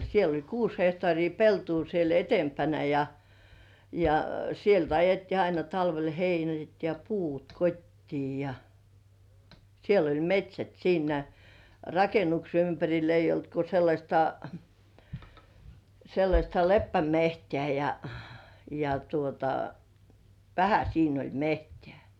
siellä oli kuusi hehtaaria peltoa siellä edempänä ja ja sieltä ajettiin aina talvella heinät ja puut kotiin ja siellä oli metsät siinä rakennuksen ympärillä ei ollut kuin sellaista sellaista leppämetsää ja ja tuota vähän siinä oli metsää